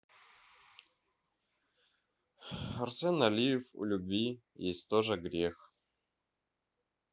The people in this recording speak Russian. арсен алиев у любви есть тоже грех